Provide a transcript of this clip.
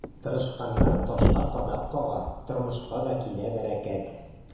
Тырышканнар ташка кадак кага, тормышка да килә бәрәкәт.